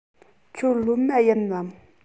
ཁྱོད སློབ མ ཡིན ནམ